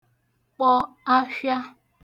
kpọ afhịa